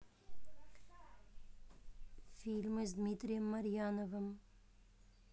фильмы с дмитрием марьяновым